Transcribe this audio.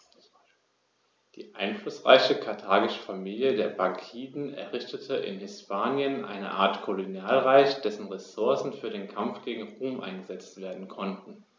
Die einflussreiche karthagische Familie der Barkiden errichtete in Hispanien eine Art Kolonialreich, dessen Ressourcen für den Kampf gegen Rom eingesetzt werden konnten.